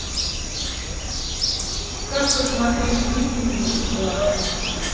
как посмотреть викинги бесплатно